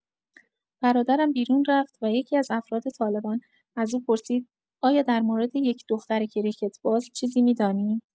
برادرم بیرون رفت و یکی‌از افراد طالبان از او پرسید آیا در مورد یک دختر کریکت‌باز چیزی می‌دانی؟